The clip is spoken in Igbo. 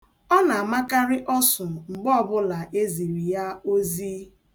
Ọ na amakarị ọsụ mgbe ọbụla e ziri ya ozi.